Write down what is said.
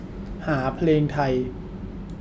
หาเพลงไทย